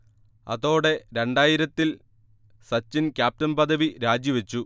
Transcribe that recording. അതോടെ രണ്ടായിരത്തിൽ സച്ചിൻ ക്യാപ്റ്റൻ പദവി രാജിവച്ചു